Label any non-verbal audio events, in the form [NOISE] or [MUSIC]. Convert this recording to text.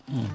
[HESITATION] [HESITATION]